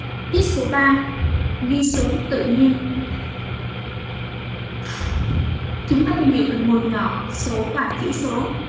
viết số ghi số tự nhiên chúng ta tìm hiểu phần nhỏ số và chữ số